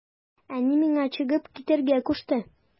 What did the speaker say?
Әни миңа чыгып китәргә кушты.